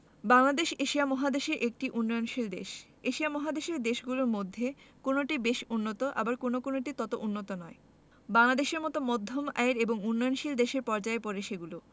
Bangladesh Asia মহাদেশের একটি উন্নয়নশীল দেশ এশিয়া মহাদেশের দেশগুলোর মধ্যে কোনটি বেশ উন্নত আবার কোনো কোনোটি তত উন্নত নয় বাংলাদেশের মতো মধ্যম আয়ের এবং উন্নয়নশীল দেশের পর্যায়ে পড়ে সেগুলো